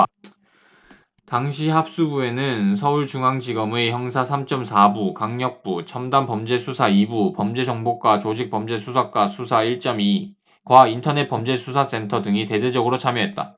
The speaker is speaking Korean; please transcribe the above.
당시 합수부에는 서울중앙지검의 형사 삼 쩜 사 부 강력부 첨단범죄수사 이 부 범죄정보과 조직범죄수사과 수사 일 쩜 이 과 인터넷범죄수사센터 등이 대대적으로 참여했다